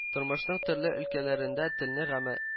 Тормышның төрле өлкәләрендә телне гамә